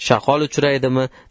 shaqol uchraydimi